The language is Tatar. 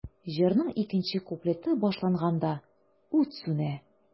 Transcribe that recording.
Җырның икенче куплеты башланганда, ут сүнә.